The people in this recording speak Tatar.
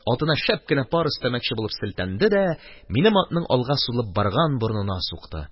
Атына шәп кенә пар өстәмәкче булып селтәнде дә, минем атның алга сузылып бара торган борынына сукты.